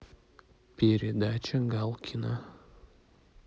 передача галкина